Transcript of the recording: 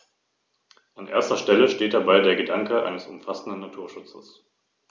Der Nacken ist goldgelb.